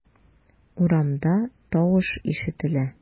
Урамда тавыш ишетелә.